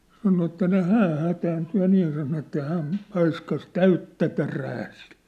sanoi että niin hän hätääntyi ja niin ja sanoi että hän paiskasi täyttä terää sille